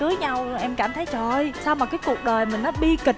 cưới nhau em cảm thấy là trời ơi sao mà cuộc đời mình nó bi kịch